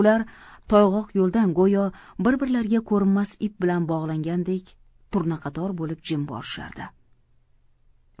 ular toyg'oq yo'ldan go'yo bir birlariga ko'rinmas ip bilan boglangandek tumaqator bo'lib jim borishardi